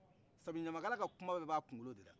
sabu ɲamakala ka kuma bɛɛ b'a kunkolo de la